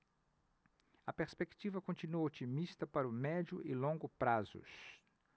a perspectiva continua otimista para o médio e longo prazos